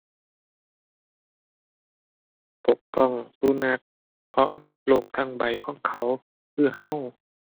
ปกป้องสุนัข เพราะโลกทั้งใบของเขาคือเรา